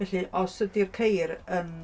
Felly os ydy'r ceir yn...